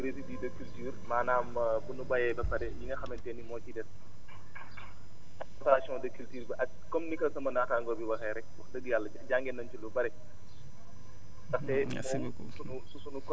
ngir thème bi kat muy résidus de culture maanaam bu ñu bayee ba pare yi nga xamante ni moom moo ci des* de culture :ra bi ak comme ni ko sama naataangoo bi waxee rek wax dëgg yàlla jàngee nañ ci lu bëri ndaxte